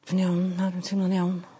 Fi'n iawn na dwi'n teimlo'n iawn.